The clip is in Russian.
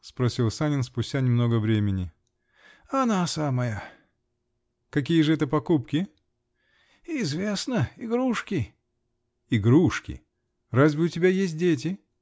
-- спросил Санин спустя немного времени. -- Она самая. -- Какие же это покупки? -- Известно: игрушки. -- Игрушки? разве у тебя есть дети?